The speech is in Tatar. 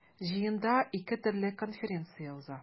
Җыенда ике төрле конференция уза.